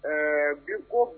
Ɛɛ bi ko